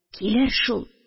Килер шул